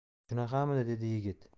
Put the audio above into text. shunaqamidi dedi yigit